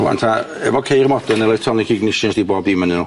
Rŵan ta- efo ceir modern, electronic ignitions 'di bob dim yn yn n'w.